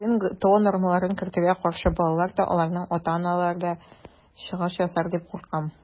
Бүген ГТО нормаларын кертүгә каршы балалар да, аларның ата-аналары да чыгыш ясар дип куркам.